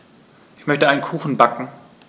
Ich möchte einen Kuchen backen.